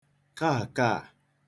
kaà kaà